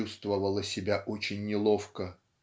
чувствовала себя очень неловко.